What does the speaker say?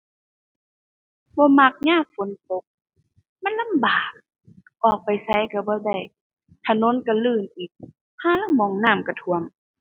บ่มักยามฝนตก มันลำบาก ออกไปไสก็บ่ได้ ถนนก็ลื่นอีก ห่าลางหม้องน้ำก็ท่วม